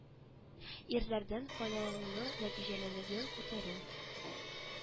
Ирләрдән файдалануның нәтиҗәлелеген күтәрү